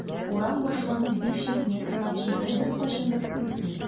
Урам башланып 500 метрлап җирдә беркайчан да су бетми.